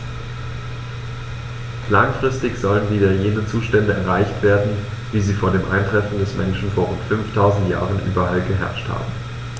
Langfristig sollen wieder jene Zustände erreicht werden, wie sie vor dem Eintreffen des Menschen vor rund 5000 Jahren überall geherrscht haben.